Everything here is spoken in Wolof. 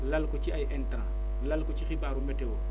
lal ko ci ay intrants lal ko ci xibaaru météo